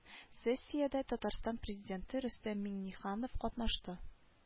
Сессиядә татарстан президенты рөстәм миңнеханов катнашты